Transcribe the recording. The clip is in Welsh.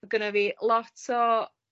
ma' gynna fi lot o